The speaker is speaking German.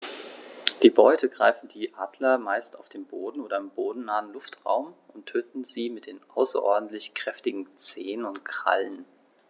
Die Beute greifen die Adler meist auf dem Boden oder im bodennahen Luftraum und töten sie mit den außerordentlich kräftigen Zehen und Krallen.